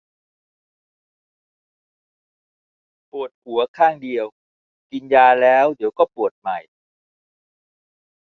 ปวดหัวข้างเดียวกินยาแล้วเดี๋ยวก็ปวดใหม่